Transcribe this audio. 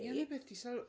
Ie, o'n i byth di syl-